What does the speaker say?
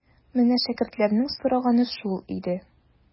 Менә шәкертләрнең сораганы шул иде.